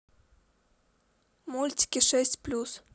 мультики шесть плюс